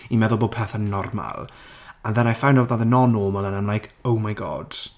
i meddwl bod pethau'n normal. And then I found out that they're not normal and I'm like "oh my god".